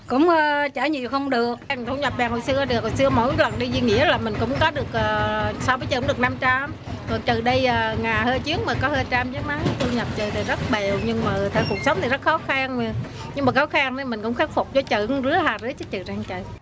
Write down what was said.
cũng chả nhiều không được thu nhập bằng hồi xưa hồi xưa mỗi lần đi gi nghĩa là mình cũng có được ờ so với chấm được năm trăm rồi từ đây ờ ngà hơi chiến mà có hai trăm chiếc máy thu nhập chờ đợi rất bèo nhưng mờ theo cuộc sống thì rất khó khăn nhưng mà khó khăn với mình cũng khắc phục cho trận rứa hà rứa trích từ trang trại